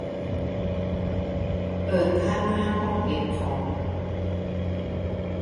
เปิดผ้าม่านห้องเก็บของ